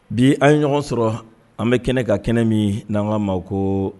Bi an ye ɲɔgɔn sɔrɔ an bɛ kɛnɛ kan kɛnɛ min n'an k'a ma ko